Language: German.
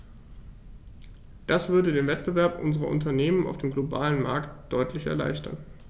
Das würde den Wettbewerb unserer Unternehmen auf dem globalen Markt deutlich erleichtern.